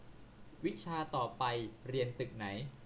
วิชาต่อไปเรียนตึกไหน